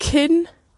cyn